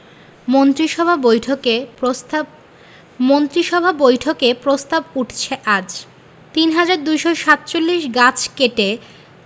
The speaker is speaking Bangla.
মন্ত্রিসভা বৈঠকে প্রস্তাব মন্ত্রিসভা বৈঠকে প্রস্তাব উঠছে আজ ৩২৪৭ গাছ কেটে